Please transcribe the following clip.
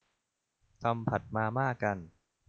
ทำผัดมาม่ากัน